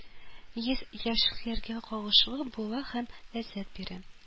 Йөз яшьлекләргә кагылышлы була һәм ләззәт бирә